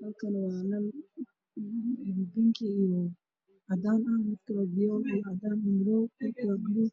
Halkaan waa qol dheer ayaa ka ifaayo oo midabkiisu yahay